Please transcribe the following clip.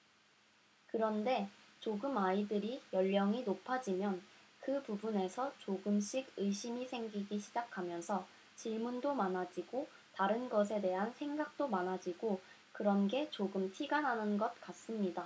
그런데 조금 아이들이 연령이 높아지면 그 부분에서 조금씩 의심이 생기기 시작하면서 질문도 많아지고 다른 것에 대한 생각도 많아지고 그런 게 조금 티가 나는 것 같습니다